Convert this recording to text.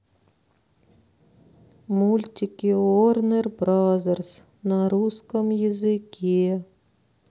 мультики уорнер бразерс на русском языке